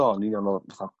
Do yn union o fatha